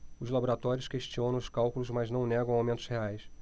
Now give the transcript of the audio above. os laboratórios questionam os cálculos mas não negam aumentos reais